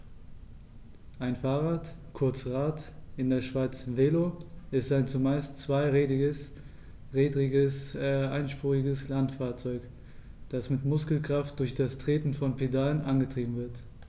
Ein Fahrrad, kurz Rad, in der Schweiz Velo, ist ein zumeist zweirädriges einspuriges Landfahrzeug, das mit Muskelkraft durch das Treten von Pedalen angetrieben wird.